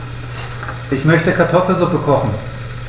Ich möchte Kartoffelsuppe kochen.